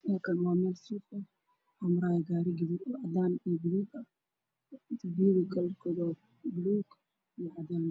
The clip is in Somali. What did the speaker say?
Halkaan waa meel suuq ah waxaa maraayo gaari cadaan iyo gaduud ah, darbiyada kalerkoodu waa buluug iyo cadaan.